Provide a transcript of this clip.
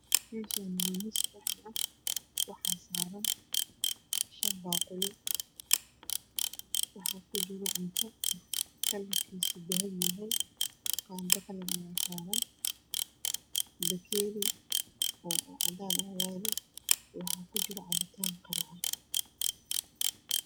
Meeshaan waa miis qaxwi ah waxaa saaran shan baaquli waxaa ku jira cunto kalarkiisu dahabi yahay qaando qalin ayaa saaran bakeeri oo cadaan ayaa agyaalo waxaa ku jira cabitaan qare ah